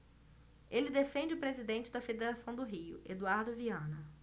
ele defende o presidente da federação do rio eduardo viana